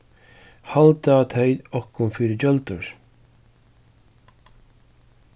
halda tey okkum fyri gjøldur